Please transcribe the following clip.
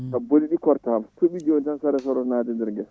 saabu ƴukkortama so tooɓi joni tan sarato naata e nder guesa